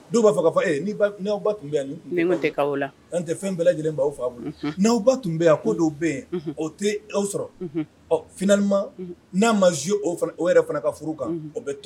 Dɔw b'a fɔ ka fɔ eeawba tun bɛ yan tɛ la yan tɛ fɛn bɛɛ lajɛlenaw fa boloawba tun bɛ yan ko' bɛ yen o tɛ aw sɔrɔ ɔ fanima n'a maz o yɛrɛ fana ka furu kan o bɛ tɔn